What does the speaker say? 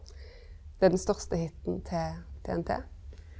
det er den største hitten til TNT.